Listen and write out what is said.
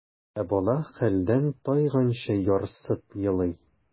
Ә бала хәлдән тайганчы ярсып елый.